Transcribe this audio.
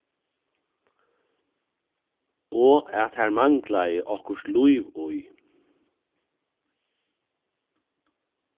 og at har manglaði okkurt lív í